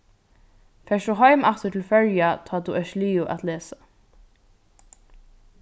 fert tú heim aftur til føroya tá tú ert liðug at lesa